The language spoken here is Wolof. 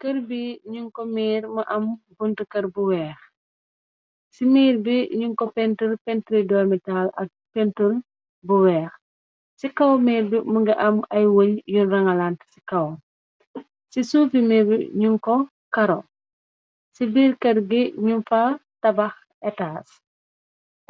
kër bi ñu ko miir ma am bunt kër bu weex ci miir bi ñu ko pentr pentri domitaal ak pentr bu weex ci kaw miir bi më nga am ay wëñ yu rangalant ci kaw ci suuf i miir bi ñu ko karo ci biir kër gi ñum fa tabax